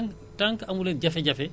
man du ngeen gis dara